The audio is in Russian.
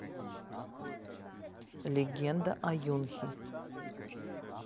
легенда о юнхи